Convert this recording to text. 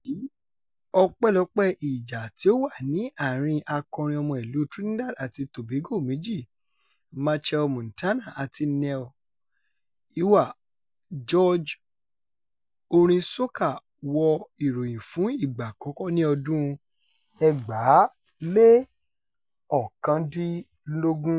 Wàyí, ọpẹ́lọpẹ́ ìjà tí ó wà ní àárín-in akọrin ọmọ ìlú Trinidad àti Tobago méjì Machel Montano àti Neil “Iwer” George, orin soca wọ ìròyìn fún ìgbà àkọ́kọ́ ní ọdún 2019.